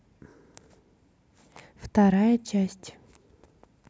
вторая часть